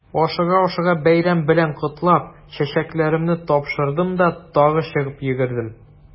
Ашыга-ашыга бәйрәм белән котлап, чәчәкләремне тапшырдым да тагы чыгып йөгердем.